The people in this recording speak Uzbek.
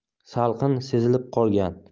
salqin sezilib qolgan